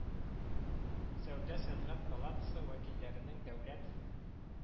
Сәүдә-сәнгать палатасы вәкилләренең Дәүләт